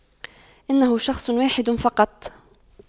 انه شخص واحد فقط